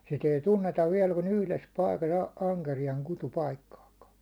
sitä ei tunneta vielä kuin yhdessä paikassa - ankeriaan kutupaikkaakaan